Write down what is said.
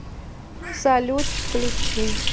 салют включи